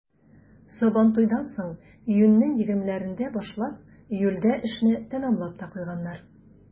Сабантуйдан соң, июньнең егермеләрендә башлап, июльдә эшне тәмамлап та куйганнар.